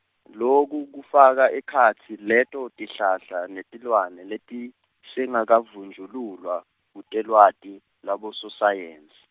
loku kufaka ekhatsi leto tihlahla netilwane letisengakavunjululwa, kutelwati, lwabososayensi.